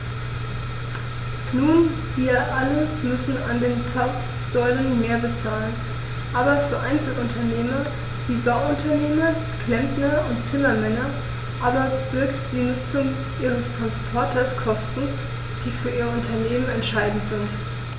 Nun wir alle müssen an den Zapfsäulen mehr bezahlen, aber für Einzelunternehmer wie Bauunternehmer, Klempner und Zimmermänner aber birgt die Nutzung ihres Transporters Kosten, die für ihr Unternehmen entscheidend sind.